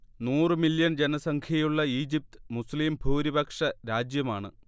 നൂറ് മില്യൺ ജനസംഖ്യയുള്ള ഈജിപ്ത് മുസ്ലിം ഭൂരിപക്ഷ രാജ്യമാണ്